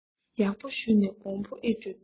ཡག པོ ཞུས ནས དགོངས པ ཨེ སྤྲོ ལྟོས